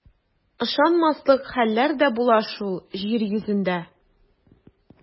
Ышанмаслык хәлләр дә була шул җир йөзендә.